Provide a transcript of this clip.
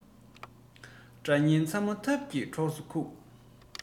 དགྲ གཉེན ཚང མ ཐབས ཀྱིས གྲོགས སུ ཁུག